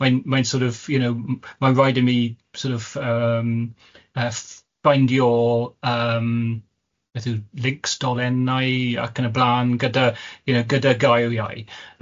Mae'n mae'n sort of you know, mae'n raid i mi sort of yym yy ffaindio yym beth yw links dolennau ac yn y blan gyda you know gyda gairiau yym... Ie.